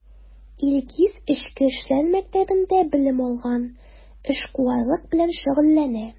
Илгиз Эчке эшләр мәктәбендә белем алган, эшкуарлык белән шөгыльләнә.